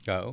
waaw